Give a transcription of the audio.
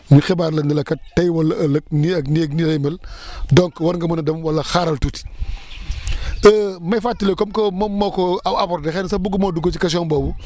ñu xibaar la ne la kat tey wala ëllëg nii ak nii ak nii lay mel donc war nga mën a dem wala xaaral tuuti may fàttali comme que moom moo ko a aborder xëy na sax bëgguma dugg ci question boobu